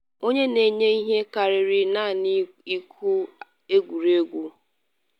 Ọ na-enye ihe karịrị naanị ịkụ egwuregwu.”